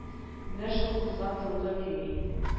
Менә шул кызга тынгы бирми